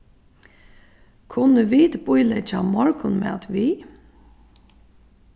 kunnu vit bíleggja morgunmat við